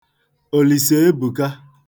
Òlìsàebùka